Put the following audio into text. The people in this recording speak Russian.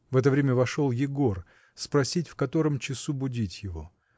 В это время вошел Егор спросить, в котором часу будить его.